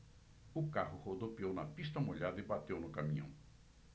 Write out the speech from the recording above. o carro rodopiou na pista molhada e bateu no caminhão